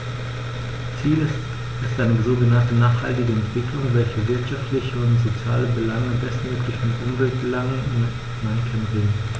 Ziel ist eine sogenannte nachhaltige Entwicklung, welche wirtschaftliche und soziale Belange bestmöglich mit Umweltbelangen in Einklang bringt.